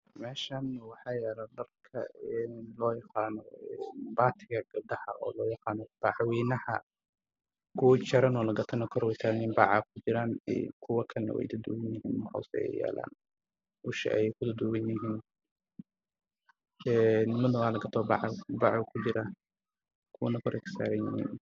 Waa meel carwo ah waxaa yaalo dhar midab koodu yahay caddaan madow